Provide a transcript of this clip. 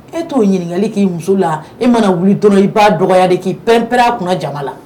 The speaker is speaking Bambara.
E t'o ɲininkakali k'i muso la i mana wuli dɔrɔn i b'a dɔgɔya de k'i pp kunna janga la